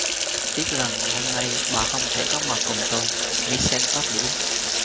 tiếc rằng hôm nay bà không thể có mặt cùng tôi michelle phát biểu